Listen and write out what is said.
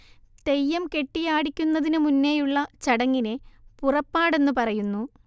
തെയ്യം കെട്ടിയാടിക്കുന്നതിനുമുന്നേയുള്ള ചടങ്ങിനെ പുറപ്പാടെന്ന് പറയുന്നു